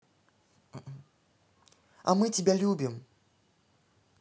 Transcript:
а мы тебя любим